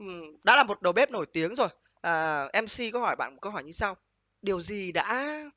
ừ đã là một đầu bếp nổi tiếng rồi à em xi có hỏi bạn một câu hỏi như sau điều gì đã